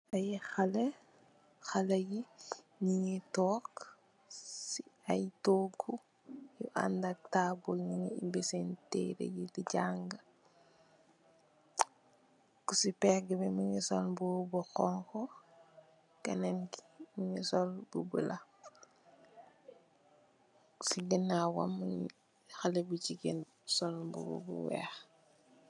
Ay haley, haley yi nungi toog ci ay toogu yi andak taabl nungi ubi senn tereeh yi di jàng. Ku ci pègg bi mungi sol mbuba bu honku, kenen ki mungi sol bu bulo, ci ganaawam mungi am haley bu jigeen bu sol mbubu weeh.